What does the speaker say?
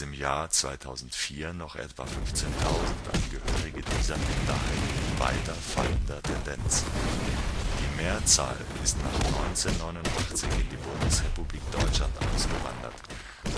im Jahr 2004 noch etwa 15.000 Angehörige dieser Minderheit mit weiter fallender Tendenz. Die Mehrzahl ist nach 1989 in die Bundesrepublik Deutschland ausgewandert.